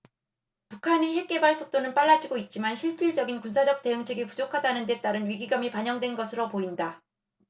북한의 핵개발 속도는 빨라지고 있지만 실질적인 군사적 대응책이 부족하다는 데 따른 위기감이 반영된 것으로 보인다